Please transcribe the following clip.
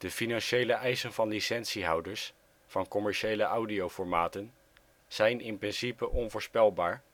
financiële eisen van licentie-houders van commerciele audio-formaten zijn in principe onvoorspelbaar